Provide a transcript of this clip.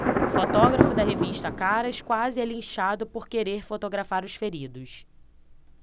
fotógrafo da revista caras quase é linchado por querer fotografar os feridos